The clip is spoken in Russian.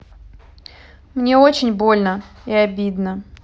мне очень больно и обидно